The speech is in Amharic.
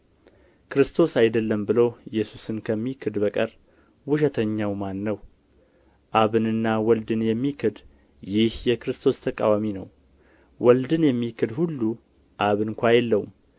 ክርስቶስ አይደለም ብሎ ኢየሱስን ከሚክድ በቀር ውሸተኛው ማን ነው አብንና ወልድን የሚክድ ይህ የክርስቶስ ተቃዋሚ ነው ወልድን የሚክድ ሁሉ አብ እንኳ የለውም